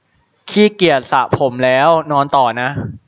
ขี้เกียจสระผมแล้วนอนต่อนะ